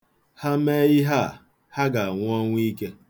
Ha mee ihe a, ha ga-anwụ ọnwụ ike.